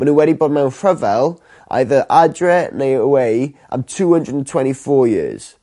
Ma' n'w wedi bod mewn rhyfel either adre neu away am two hundred and tweny four years.